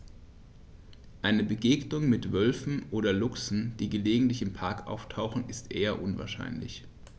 Eine Begegnung mit Wölfen oder Luchsen, die gelegentlich im Park auftauchen, ist eher unwahrscheinlich.